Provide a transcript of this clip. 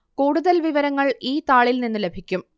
കൂടുതൽ വിവരങ്ങൾ ഈ താളിൽ നിന്നു ലഭിക്കും